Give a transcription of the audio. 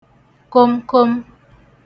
komkom